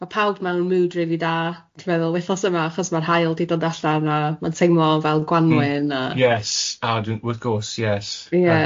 Ma' pawb mewn mood rili da ti'n meddwl wythnos yma achos ma'r haul wedi dod allan a ma'n teimlo fel Gwanwyn a... Yes a dwi'n wrth gwrs yes... Ie.